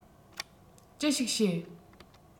ཅི ཞིག བྱེད